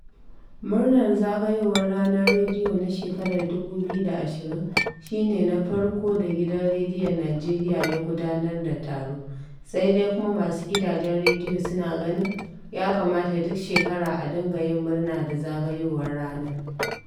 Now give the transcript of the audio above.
Murnar zagayowar Ranar Rediyo na shekarar 2020 shi ne na farko da gidan rediyon Nijeriya ya gudanar da taro, sai dai kuma masu gidajen rediyo suna ganin ya kamata duk shekara a dinga yin murna da zagayowar ranar.